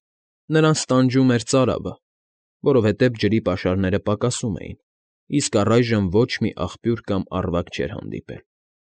Նրանց տանջում էր ծարավը, որովհետև ջրի պաշարները պակասում էին, իսկ առայժմ ոչ մի աղբյուր կամ առվակ չէր հանդիպել։